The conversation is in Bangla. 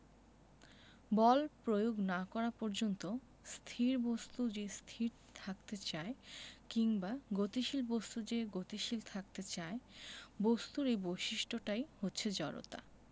বল প্রয়োগ না করা পর্যন্ত স্থির বস্তু যে স্থির থাকতে চায় কিংবা গতিশীল বস্তু যে গতিশীল থাকতে চায় বস্তুর এই বৈশিষ্ট্যটাই হচ্ছে জড়তা